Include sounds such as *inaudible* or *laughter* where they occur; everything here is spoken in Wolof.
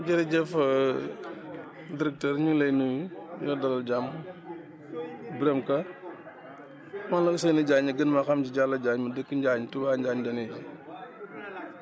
jërëjëf *hesitation* directeur ñu ngi lay nuyu di la dalal jàmm *crosstalk* Birame Ka man la Ousseynou Diagne ñu gën maa xam si Diallo Diagne ma dëkk Njaañ touba Njaañ la nii *crosstalk*